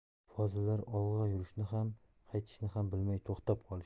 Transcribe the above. fozillar olg'a yurishni ham qaytishni ham bilmay to'xtab qolishdi